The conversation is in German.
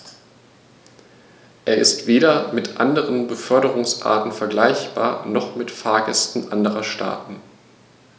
Er ist weder mit anderen Beförderungsarten vergleichbar, noch mit Fahrgästen anderer Staaten.